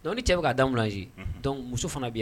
Dɔnku ni cɛ bɛ k'a damusi dɔn muso fana bɛ yen